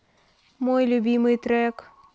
мой любимый трек